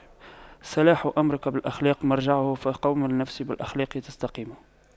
صلاح أمرك بالأخلاق مرجعه فَقَوِّم النفس بالأخلاق تستقم